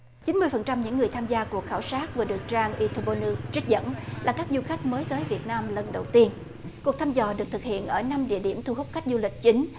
chín mươi phần trăm những người tham gia cuộc khảo sát và được trang i ta bu nu trích dẫn là các du khách mới tới việt nam lần đầu tiên cuộc thăm dò được thực hiện ở năm địa điểm thu hút khách du lịch chính